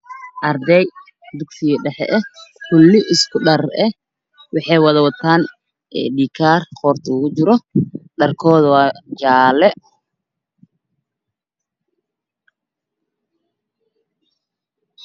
arday dusiyo dhexe e isku dherer e waxay wada Watan aydhikar horta ugujira dharkodu waa jale